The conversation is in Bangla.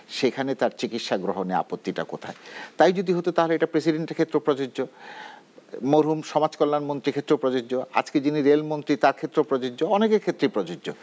সেখানে তার চিকিৎসা গ্রহণ আপত্তিটা কোথায় তাই যদি হতো তাহলে এটা প্রসিডেন্ট এর ক্ষেত্রেও প্রযোজ্য মরহুম সমাজকল্যাণমন্ত্রীর ক্ষেত্রেও প্রযোজ্য আজকে যিনি রেলমন্ত্রী তার ক্ষেত্রেও প্রযোজ্য অনেকের ক্ষেত্রেই প্রযোজ্য